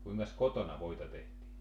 kuinkas kotona voita tehtiin